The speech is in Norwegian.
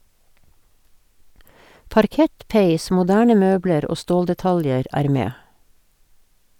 Parkett, peis, moderne møbler og ståldetaljer er med.